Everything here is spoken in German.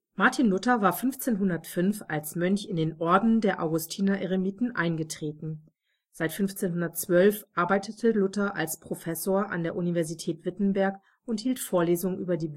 Martin Luther war 1505 als Mönch in den Orden der Augustiner-Eremiten eingetreten. Seit 1512 arbeitete Luther als Professor an der Universität Wittenberg und hielt Vorlesungen über die